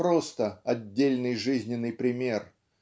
просто отдельный жизненный пример